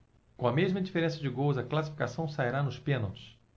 com a mesma diferença de gols a classificação sairá nos pênaltis